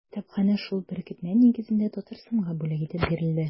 Китапханә шул беркетмә нигезендә Татарстанга бүләк итеп бирелде.